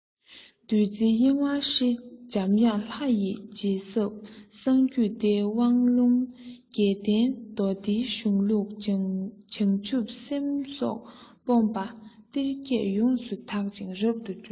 འདུ འཛིའི གཡེང བ ཧྲིལ འཇམ དབྱངས ལྷ ཡིས རྗེས ཟབ གསང རྒྱུད སྡེའི དབང ལུང རྒྱལ བསྟན མདོ སྡེའི གཞུང ལུགས བྱང ཆུབ སེམས སོགས སྤོབས པའི གཏེར བརྒྱད ཡོངས སུ དག ཅིང རབ ཏུ གྲོལ